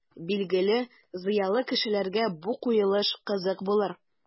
Билгеле, зыялы кешеләргә бу куелыш кызык булыр.